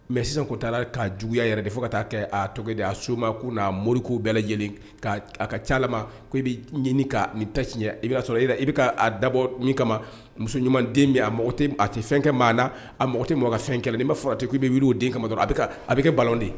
Mɛ sisan ko' la ka juguya yɛrɛ de fo ka taa kɛ tɔgɔ di a soma n'a mori' bɛɛ lajɛlen a ka ca ma e bɛ ɲini ni ta tiɲɛ i sɔrɔ i i bɛ dabɔ min kama muso ɲuman den min a a tɛ fɛn kɛ maa na a mɔgɔ tɛ mɔgɔ fɛn kelen ni b'a k'i bɛ o den kama dɔrɔn a a bɛ kɛ ba de